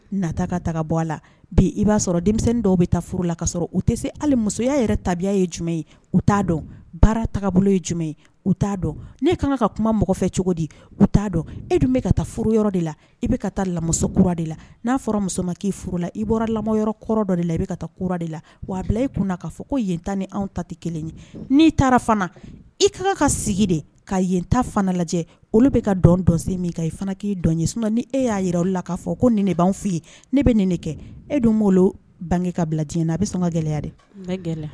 Nta ka taga bɔ a la bi i b'a sɔrɔ denmisɛnnin dɔw bɛ taa la ka u tɛ se ali musoya yɛrɛ tabiya ye jumɛn ye u t' dɔn baara taabolo bolo ye jumɛn u t'a dɔn ne ka kan ka kuma mɔgɔ fɛ cogo di u' dɔn e dun bɛ ka taa yɔrɔ de la i bɛ ka taa lamuso de la n'a fɔra muso ma k'i furu la i bɔra lamɔ kɔrɔ dɔ de la i bɛ taa de la wa e kun'a fɔ ko yen tan ni anw ta tɛ kelen ye n'i taara i kan ka sigi de ka yenta lajɛ olu bɛ ka dɔn dɔn min ka i fana k'i dɔn ye sun ni e y'a jira o la k'a fɔ ko nin ne b'an f fɔ'i ne bɛ nin de kɛ e dun n' bange ka bila diɲɛ na a bɛ sɔn ka gɛlɛya dɛ gɛlɛya